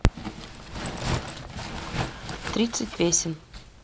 тридцать песен